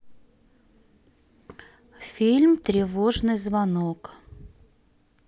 фильм тревожный звонок